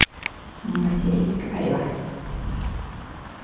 матерись говорю